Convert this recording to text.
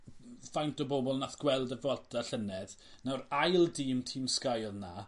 faint o bobol nath gweld y Vuelta llynedd nawr ail dîm tîm Sky odd 'na